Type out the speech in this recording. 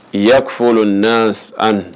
Ya fɔlɔ na an